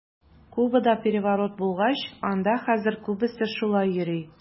Кубада переворот булгач, анда хәзер күбесе шулай йөри.